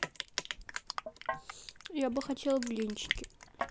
я бы хотел блинчики